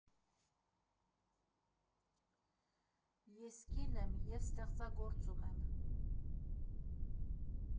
Ես կին եմ, և ստեղծագործում եմ։